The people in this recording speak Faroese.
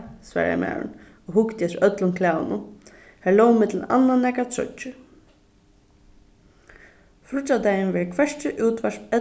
svaraði maðurin og hugdi eftir øllum klæðunum har lógu millum annað nakrar troyggjur fríggjadagin verður hvørki útvarp